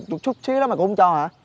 một chút xíu mày cũng không cho hả